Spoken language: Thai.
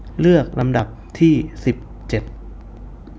เลือกลำดับที่สิบเจ็ด